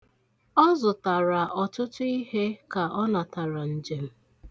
Ọ zụtara ọtụtụ ihe ka ọ natara njem.